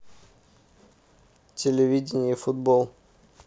телевидение футбол